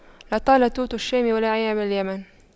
لا طال توت الشام ولا عنب اليمن